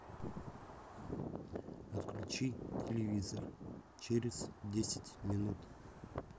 отключи телевизор через десять минут